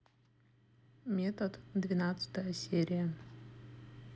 метод двенадцатая серия